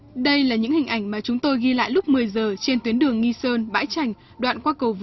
đây là những hình ảnh mà chúng tôi ghi lại lúc mười giờ trên tuyến đường nghi sơn bãi trành đoạn qua cầu